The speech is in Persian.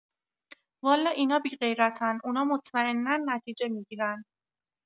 والا اینا بی غیرتن اونا مطمئنن نتیجه می‌گیرن